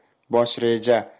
bosh reja